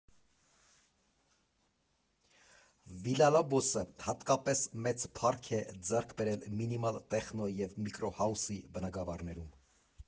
Վիլլալոբոսը հատկապես մեծ փառք է ձեռք բերել մինիմալ տեխնոյի և միկրոհաուսի բնագավառներում։